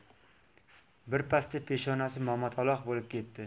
birpasda peshonasi momataloq bo'lib ketdi